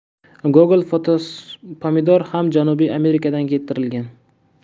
google photospomidor ham janubiy amerikadan keltirilgan